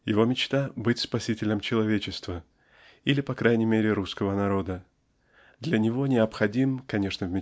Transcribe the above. его мечта -- быть спасителем человечества или по крайней мере русского народа. Для него необходим (конечно